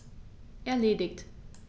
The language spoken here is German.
Erledigt.